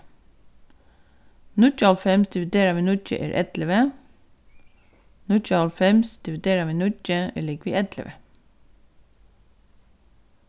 níggjuoghálvfems dividerað við níggju er ellivu níggjuoghálvfems dividerað við níggju er ligvið ellivu